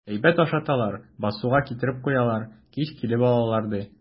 Әйбәт ашаталар, басуга китереп куялар, кич килеп алалар, ди.